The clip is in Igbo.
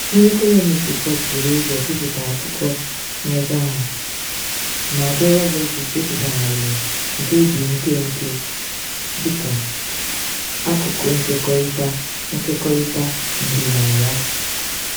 Ndị Colonist Report buru ụzọ bipụta akụkọ nnyocha ha, ma Global Voices bipụtagharịrị nke dị nkenke dịka akụkụ nkwekọrịta nkekọrịta ndịnaya.